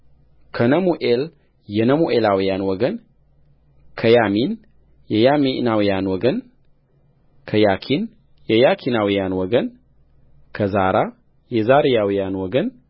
ከነሙኤል የነሙኤላውያን ወገን ከያሚን የያሚናውያን ወገን ከያኪን የያኪናውያን ወገን ከዛራ የዛራውያን ወገን